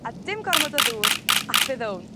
a dim gormod o ddŵr ac fe ddown.